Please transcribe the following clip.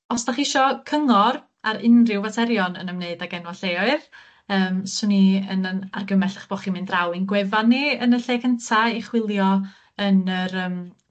os 'dach chi isio cyngor ar unryw faterion yn ymwneud ag enwa' lleoedd yym swn i yn yn argymell 'ych bo' chi'n mynd draw i'n gwefan ni yn y lle cynta i chwilio yn yr yym